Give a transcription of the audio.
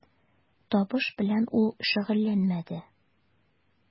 Табыш белән ул шөгыльләнмәде.